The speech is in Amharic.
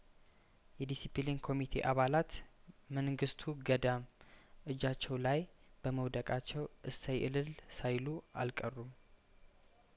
የዲስፕሊን ኮሚቴ አባላት መንግስቱ ገዳም እጃቸው ላይ በመውደቃቸው እሰይ እልል ሳይሉ አልቀሩም